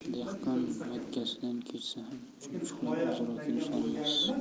dehqon makkasidan kechsa ham chumchuqlar o'zaro kelisholmas